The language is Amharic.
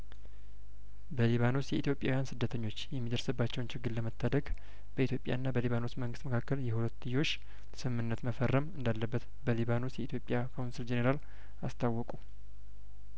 በሊባኖስ የኢትዮጵያውያን ስደተኞች የሚደርስ ባቸውን ችግር ለመታደግ በኢትዮጵያ ና በሊባኖስ መንግስት መካከል የሁለትዮሽ ስምምነት መፈረም እንዳለበት በሊባኖስ የኢትዮጵያ ካውንስል ጄኔራል አስታወቁ